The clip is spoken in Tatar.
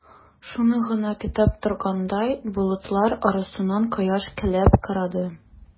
Шуны гына көтеп торгандай, болытлар арасыннан кояш көлеп карады.